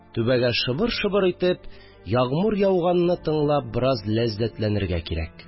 Түбәгә шыбыр-шыбыр итеп ягъмур яуганны тыңлап, бераз ләззәтләнергә кирәк